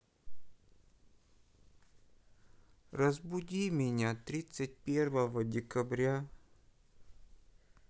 разбуди меня тридцать первого декабря